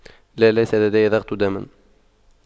لا ليس لدي ضغط دم